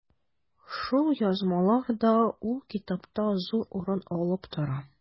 Шул язмалар да ул китапта зур урын алып тора.